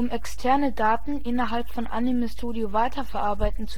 externe Daten innerhalb von Anime Studio weiterverarbeiten